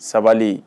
Sabali